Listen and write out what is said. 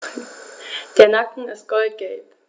Der Nacken ist goldgelb.